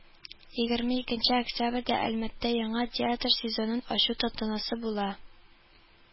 Егерме икенче октябрьдә әлмәттә яңа театр сезонын ачу тантанасы була